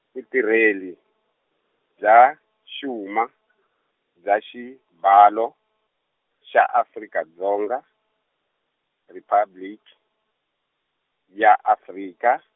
Vutirheli, bya Xuma, bya Xibalo, xa Afrika Dzonga, Riphabliki, ya Afrika.